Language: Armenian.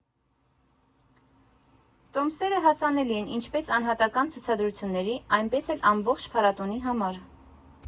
Տոմսերը հասանելի են ինչպես անհատական ցուցադրությունների, այնպես էլ ամբողջ փառատոնի համար։